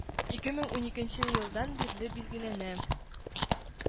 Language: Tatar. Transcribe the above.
Ике мең уникенче елдан бирле билгеләнә